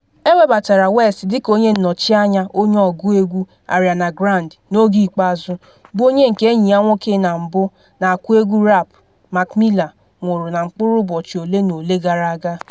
Ewebatara West dịka onye nnọchi anya onye ọgụ egwu Ariana Grande n’oge ikpeazụ, bụ onye nke enyi ya nwoke na mbu, na-akụ egwu rap Mac Miller nwụrụ na mkpụrụ ụbọchị ole ma ole gara aga.